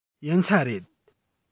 ཡིན ས རེད